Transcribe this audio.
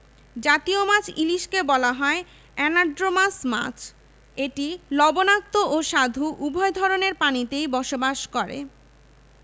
৬২৮ প্রজাতির পাখি যার মধ্যে ৩৮৮টি প্রজাতি দেশী বা আবাসিক এবং ২৪০ টি প্রজাতি অতিথি বা পরিযায়ী পাখি